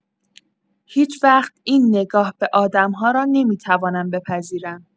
هیچ‌وقت این نگاه به آدم‌ها را نمی‌توانم بپذیرم.